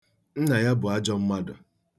Nna ya bụ ajọ mmadụ.